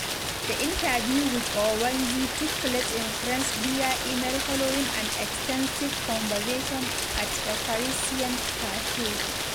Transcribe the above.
The interview with Ouabonzi took place in French via email following an extensive conversation at a Parisian café.